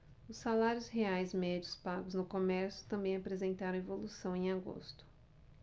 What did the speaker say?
os salários reais médios pagos no comércio também apresentaram evolução em agosto